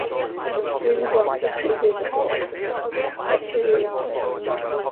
w- dwi'm yn gweld trydydd un yn dod ynde felly yym.